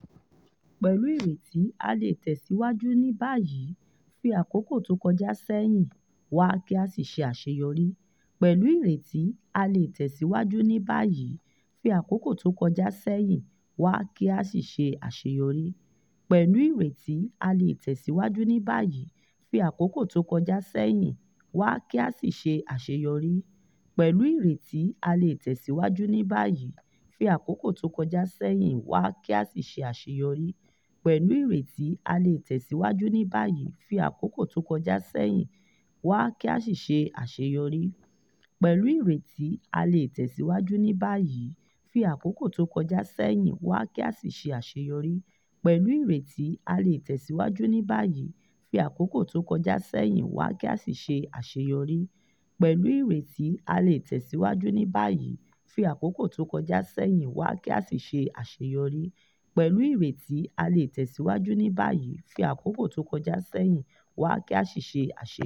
Pẹ̀lú ìrètí, a lè tẹ̀síwájú ní báyìí, fi àkókò tó kọjá sẹ́hìn wá kí a sì ṣe àṣeyọrí."